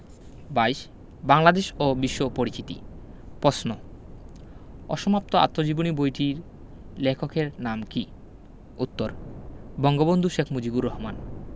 ২২ বাংলাদেশ ও বিশ্ব পরিচিতি পশ্ন অসমাপ্ত আত্মজীবনী বইটির লেখকের নাম কী উত্তর বঙ্গবন্ধু শেখ মুজিবুর রহমান